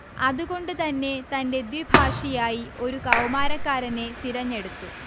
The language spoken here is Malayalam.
അതുകൊണ്ട് തന്നെ തന്റെ ദ്വിഭാഷിയായി ഒരു കൗമാരക്കാരനെ തിരഞ്ഞെടുത്തു